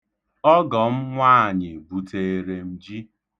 Ọgọ m nwaanyị buteere m ji.